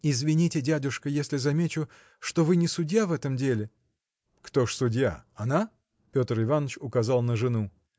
– Извините, дядюшка, если замечу, что вы не судья в этом деле. – Кто ж судья? она? Петр Иваныч указал на жену.